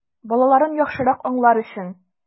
Балаларын яхшырак аңлар өчен!